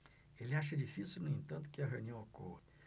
ele acha difícil no entanto que a reunião ocorra